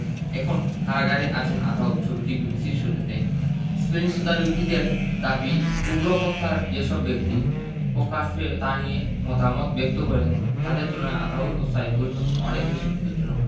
এখন কারাগারে আছেন আতাউল ছবিটি বিবিসির সৌজন্যে স্প্যানিশ তদারকিদের দাবি উগ্রপন্থার যেসব ব্যক্তি প্রকাশ্যে তা নিয়ে মতামত ব্যক্ত করেন তাদের তুলনায় আতাউল ও সাইফুল অনেক বেশি বিপজ্জনক